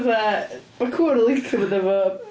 Fatha mae cŵn yn licio mynd efo...